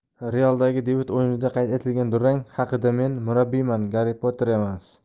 real dagi debyut o'yinida qayd etilgan durang haqidamen murabbiyman garri poter emas